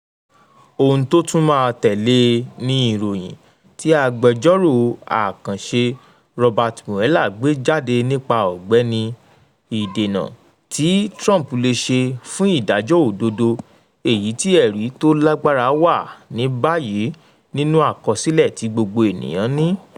Ohun tó tún máa tẹ̀ lé e ni ìròyìn tí agbẹjọ́rò àkànṣe Robert Mueller gbé jáde nípa Ọ̀gbẹ́ni Ìdènà tí Trump lè ṣe fún ìdájọ́ òdodo, èyí tí ẹ̀rí tó lágbára wà ní báyìí nínú àkọsílẹ̀ tí gbogbo ènìyàn ní.